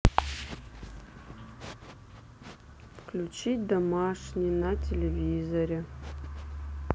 включить домашний на телевизоре